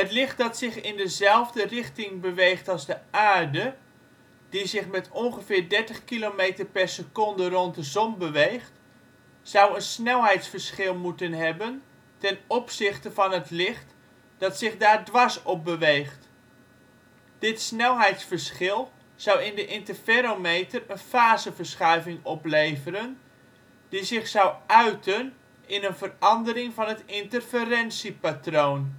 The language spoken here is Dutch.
licht dat zich in dezelfde richting beweegt als de aarde - die zich met ongeveer 30 km/s rond de zon beweegt - zou een snelheidsverschil moeten hebben ten opzichte van het licht dat zich daar dwars op beweegt. Dit snelheidsverschil zou in de interferometer een faseverschuiving opleveren die zich zou uiten in een verandering van het interferentiepatroon